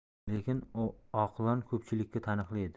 lekin o'qilon ko'pchilikka taniqli edi